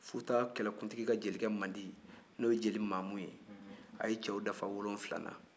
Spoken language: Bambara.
futa kɛlɛkuntigi ka jelikɛ mandi n'o ye jeli mamu ye a ye cɛw dafa wolonwula la